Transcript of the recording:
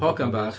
Hogan bach.